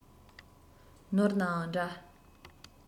ནོར ནའང འདྲ